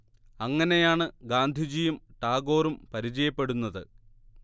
അങ്ങനെയാണ് ഗാന്ധിജിയും ടാഗോറും പരിചയപ്പെടുന്നത്